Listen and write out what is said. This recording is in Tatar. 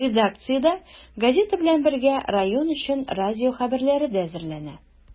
Редакциядә, газета белән бергә, район өчен радио хәбәрләре дә әзерләнә.